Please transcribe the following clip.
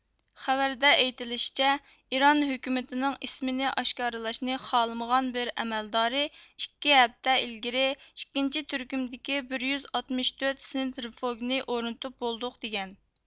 خەۋەردە ئېيتىلىشىچە ئىران ھۆكۈمىتىنىڭ ئىسمىنى ئاشكارىلاشنى خالىمىغان بىر ئەمەلدارى ئىككى ھەپتە ئىلگىرى ئىككىنچى تۈركۈمدىكى بىر يۈز ئاتمىش تۆت سېنترىفۇگنى ئورنىتىپ بولدۇق دېگەن